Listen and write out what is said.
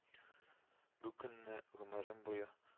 Бу көнне гомерем буе